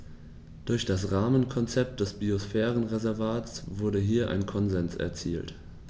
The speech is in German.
Durch das Rahmenkonzept des Biosphärenreservates wurde hier ein Konsens erzielt.